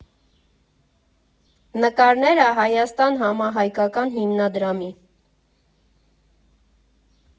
Նկարները՝ «Հայաստան» համահայկական հիմնադրամի։